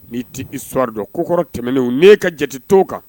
N'i tɛ i sɔriridon kokɔrɔ tɛmɛnen n'i'e ka jate to' kan